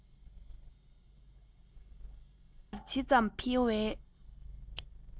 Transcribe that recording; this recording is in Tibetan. ད ལྟར ཇི ཙམ འཕེལ བའི